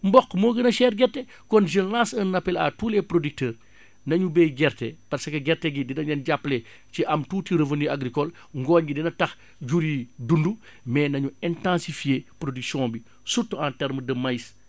mboq moo gën a cher gerte kon je lance un appel à tous les producteurs nañu bay gerte parce que gerte gi dina leen jàppale ci am tuuti revenu agricole ngooñ bi dina tax jur yi dund mais nañu intensifier production bi surtout en terme de maïs